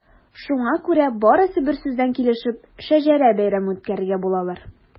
Шуңа күрә барысы берсүздән килешеп “Шәҗәрә бәйрәме” үткәрергә булалар.